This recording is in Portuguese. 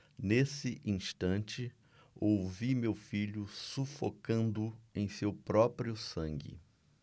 nesse instante ouvi meu filho sufocando em seu próprio sangue